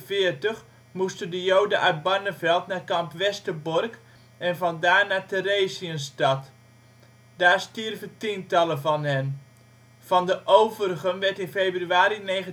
1943 moesten de Joden uit Barneveld naar Kamp Westerbork en vandaar naar Theresienstadt. Daar stierven tientallen van hen. Van de overigen werd in februari 1945